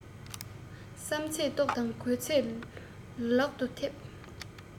བསམ ཚད ཐོག དང དགོས ཚད ལག ཏུ ཐེབས